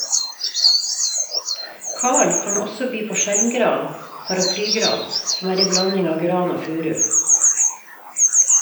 Karl kan også by på skjermgran (paraplygran), som er ei blanding av gran og furu.